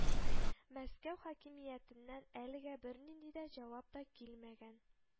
Мәскәү хакимиятеннән әлегә бернинди дә җавап та килмәгән